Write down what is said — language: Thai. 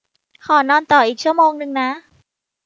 ขอนอนอีกชั่วโมงนึงนะ